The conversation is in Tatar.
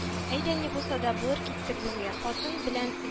— әйдә, ни булса да булыр, киттек безгә! хатын белән